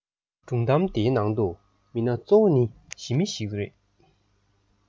སྒྲུང གཏམ འདིའི ནང དུ མི སྣ གཙོ བོ ནི ཞི མི ཞིག རེད